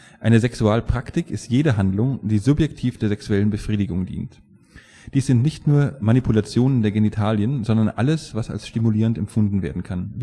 Eine Sexualpraktik ist jede Handlung, die subjektiv der sexuellen Befriedigung dient. Dies sind nicht nur Manipulationen der Genitalien, sondern alles, was als stimulierend empfunden werden kann